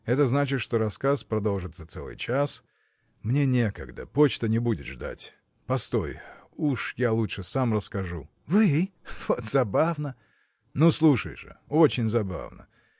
Это значит, что рассказ продолжится целый час мне некогда: почта не будет ждать. Постой, уж я лучше сам расскажу. – Вы? вот забавно! – Ну, слушай же, очень забавно!